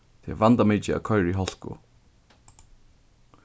tað er vandamikið at koyra í hálku